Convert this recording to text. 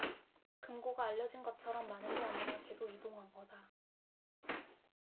금고가 알려진 것처럼 많은 게 아니라 계속 이동한 거다